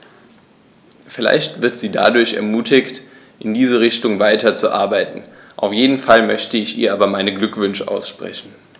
Vielleicht wird sie dadurch ermutigt, in diese Richtung weiterzuarbeiten, auf jeden Fall möchte ich ihr aber meine Glückwünsche aussprechen.